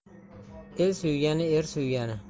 el suygani er suygani